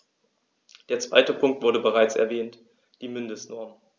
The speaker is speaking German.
Der zweite Punkt wurde bereits erwähnt: die Mindestnormen.